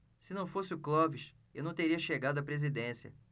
se não fosse o clóvis eu não teria chegado à presidência